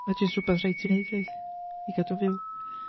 Mae'n jyst rhywbeth rhaid ti wneud, rhaid? I gadw'n fyw.